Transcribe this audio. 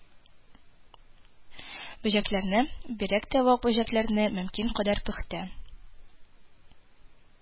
Бөҗәкләрне, бигрәк тә вак бөҗәкләрне, мөмкин кадәр пөхтә